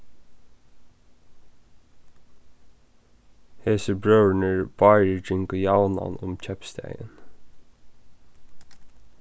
hesir brøðurnir báðir gingu javnan um keypstaðin